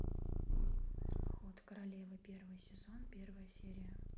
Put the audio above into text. ход королевы первый сезон первая серия